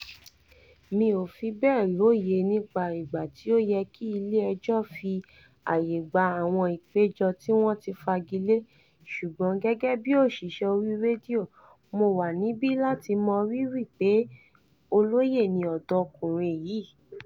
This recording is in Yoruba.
Mi ò fi bẹ́ẹ̀ lóye nípa ìgbà tí ó yẹ kí ilé ẹjọ́ fi àyè gba àwọn ìpẹ̀jọ́ tí wọn ti fagilé ṣùgbọ́n, gẹ́gẹ́ bíi òṣìṣẹ́ orí rédíò, mọ wà níbí láti mọrírì pé olóyè ni ọ̀dọ́kùnrin yìí.